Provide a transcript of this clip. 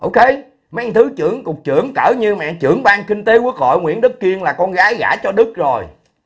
ô kê mấy thứ trưởng cục trưởng cỡ như mẹ trưởng ban kinh tế quốc hội nguyễn đức kiên là con gái gả cho đức rồi